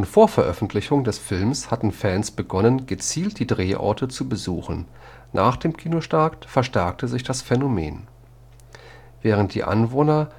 vor Veröffentlichung des Films hatten Fans begonnen, gezielt die Drehorte zu besuchen; nach dem Kinostart verstärkte sich das Phänomen. Während die Anwohner